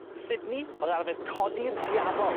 Sydney o'dd arfer codi'r diafol.